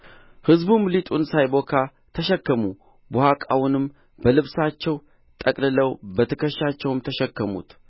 ሕዝቡም ሊጡን ሳይቦካ ተሸከሙ ቡሃቃውንም በልብሳቸው ጠቅልለው በትከሻቸው ተሸከሙት